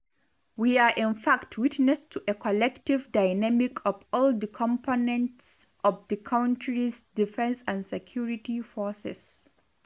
We are in fact witness to a collective dynamic of all the components of the country's defence and security forces.